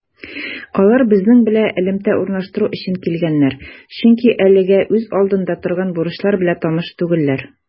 Алар безнең белән элемтә урнаштыру өчен килгәннәр, чөнки әлегә үз алдында торган бурычлар белән таныш түгелләр.